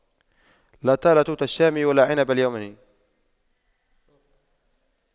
لا طال توت الشام ولا عنب اليمن